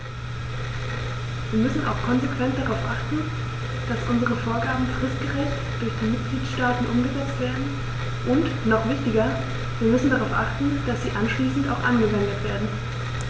Wir müssen auch konsequent darauf achten, dass unsere Vorgaben fristgerecht durch die Mitgliedstaaten umgesetzt werden, und noch wichtiger, wir müssen darauf achten, dass sie anschließend auch angewendet werden.